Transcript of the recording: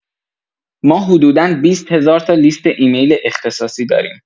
ما حدودا ۲۰ هزار تا لیست ایمیل اختصاصی داریم.